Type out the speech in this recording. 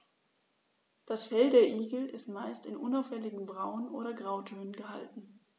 Das Fell der Igel ist meist in unauffälligen Braun- oder Grautönen gehalten.